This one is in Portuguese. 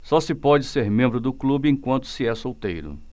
só se pode ser membro do clube enquanto se é solteiro